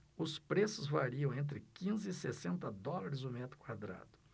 os preços variam entre quinze e sessenta dólares o metro quadrado